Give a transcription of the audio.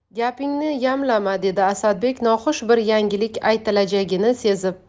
gapingni yamlama dedi asadbek noxush bir yangilik aytilajagini sezib